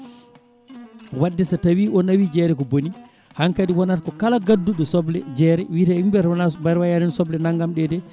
wadde so tawi o nawi jeere ko booni hannkadi wonata kala gadduɗo soble jeere wiite mbeete wona soble mbar wayani no soble naggam ɗe de